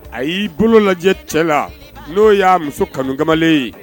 A y'i bolo lajɛ cɛ la, n'o y'a muso kanu kamalen ye.